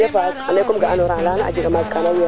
merci beaucoup o tewo paax wetana in gonle